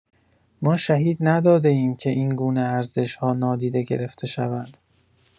ما شهید نداده‌ایم که اینگونه ارزش‌ها نادیده گرفته شوند!